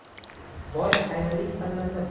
boy xayrlik qilmasa